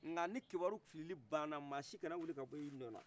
nka ni kibaru filili baana mɔgɔ si kana bɔ i nɔn na